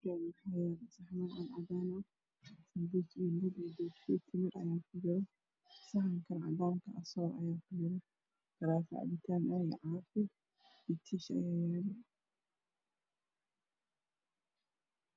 Meeshaan waxaa yaalo saxaman cadcad ah dad ayaa fadhiyo. Saxanka cadaan ka ah soor ayaa kujirto, garoofo cabitaan caafi iyo tiish ayaa yaalo.